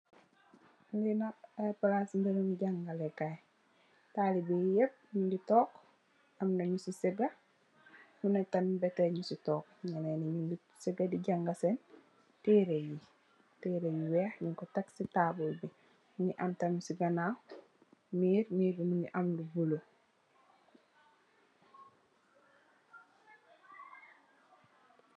Li nak ay placi berembi jangale kai talibe yeep nyugi tog amna nyu si sega amna tam be tei nyu si tog nyenen yi nyugi sega di janga sen tereye tere yu weex nyun ko tek si tabul bi mongi am tam si kanaw meer meer bi mongi am lu bulu.